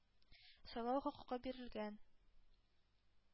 Сайлау хокукы бирелгән